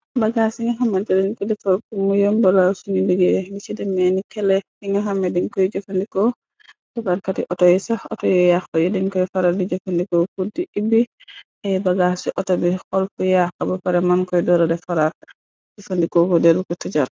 Bagaas ci nga xamanteh dañ ko defar purr mu yomba lal siñu ligeey li ci demèè ni kelé yi nga xame dañ koy jëfandikoo auto yi sax auto yu yaxu yi deñ koy faral di jëfandiko purr di ubi ay bagaas ci auto bi xol fu yaaxu ba paré mën koy dórdi deferat jëfandikoo ko dell ko tëjat.